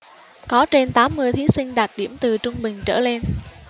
có trên tám mươi thí sinh đạt điểm từ trung bình trở lên